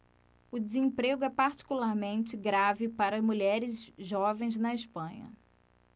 o desemprego é particularmente grave para mulheres jovens na espanha